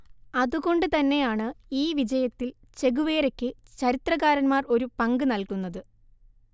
അതുകൊണ്ടുതന്നെയാണ് ഈ വിജയത്തിൽ ചെഗുവേരയ്ക്ക് ചരിത്രകാരന്മാർ ഒരു പങ്ക് നല്കുന്നത്